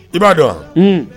I b'a dɔn wa h